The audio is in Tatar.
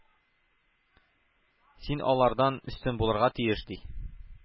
Син алардан өстен булырга тиеш!“ — ди.